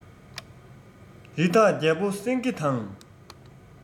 རི དྭགས རྒྱལ པོ སེང གེ དང